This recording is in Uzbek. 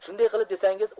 shunday kilib desangiz